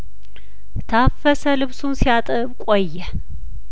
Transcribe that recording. ታፈሰ ልብሱን ሲያጥብ ቆየ